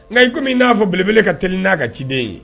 Nka i komi min n'a fɔ bbele ka teli n'a ka ciden ye